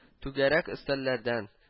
Түгәрәк өстәлләрдән